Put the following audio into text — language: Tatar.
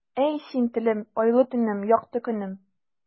Әй, син, телем, айлы төнем, якты көнем.